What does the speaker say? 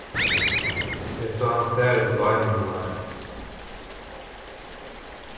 eg sá hann stara eftir beinunum á henni